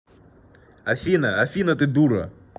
афина афина ты дура